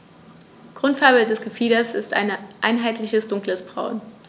Grundfarbe des Gefieders ist ein einheitliches dunkles Braun.